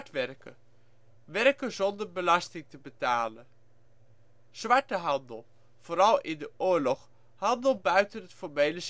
werken - werken zonder belasting te betalen (vergelijk de witte illegalen) Zwarte handel - vooral in de oorlog, handel buiten het formele